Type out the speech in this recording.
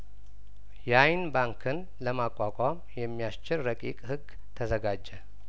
የአይን ባንክን ለማቋቋም የሚያስችል ረቂቅ ህግ ተዘጋጀ